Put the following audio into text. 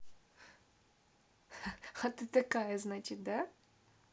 а ты такая значит да